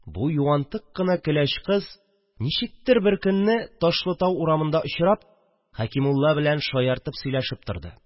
Бу юантык кына көләч кыз ничектер бер көнне Ташлытау урамында очрап Хәкимулла белән шаяртып сөйләшеп торды